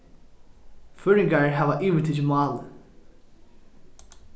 føroyingar hava yvirtikið málið